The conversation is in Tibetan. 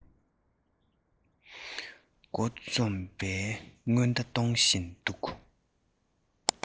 མགོ རྩོམ བའི སྔོན བརྡ གཏོང བཞིན འདུག